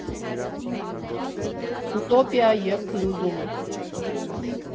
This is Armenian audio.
Ուտոպիա և փլուզումը։